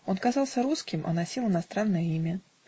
он казался русским, а носил иностранное имя.